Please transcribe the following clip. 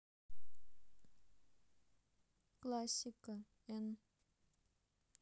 классика н